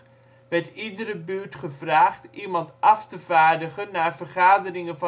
iedere buurt gevraagd iemand af te vaardigen naar vergaderingen